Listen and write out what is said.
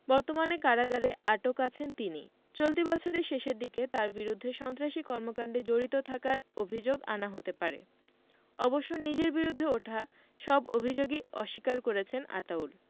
বর্তমানে কারাগারে আটক আছেন তিনি চলতি বছরের শেষের দিকে তাঁর বিরুদ্ধে সন্ত্রাসী কর্মকাণ্ডে জড়িত থাকার অভিযোগ আনা হতে পারে অবশ্য নিজের বিরুদ্ধে ওঠা সব অভিযোগই অস্বীকার করেছেন আতাউল